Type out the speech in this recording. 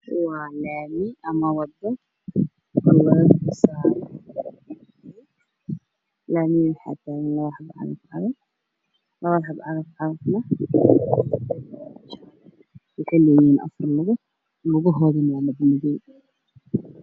Waa laami waxaa maraayo cagaf cagaf midabkeedu yahay jahlo waxaa maraayo dad guryo ayaa ku yaalla